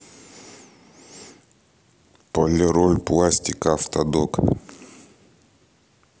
полироль пластика автодок